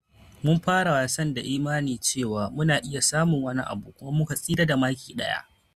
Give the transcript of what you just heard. "Mun fara wasan da imani cewa mu na iya samun wani abu kuma muka tsira da maki daya